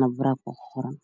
lambaraa ku qoran.